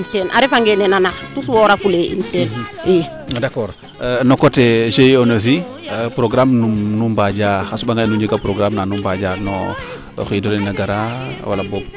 a refa nge nena nax tus woora fule in tus woora fule in teen i d' accord no coté GIE aussi progamme num nu mbaaja a soɓa ngaaye nu njeega programme na nu mbaaja o xiidole naa garaa wala boog